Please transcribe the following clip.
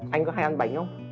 anh có hay ăn bánh không